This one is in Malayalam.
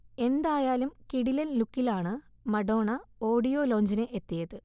എന്തായാലും കിടിലൻ ലുക്കിലാണ് മഡോണ ഓഡിയോ ലോഞ്ചിന് എത്തിയത്